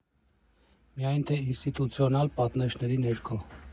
Միայն թե ինստիտուցիոնալ պատնեշների ներքո։